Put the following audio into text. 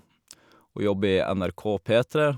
Hun jobber i NRK P3.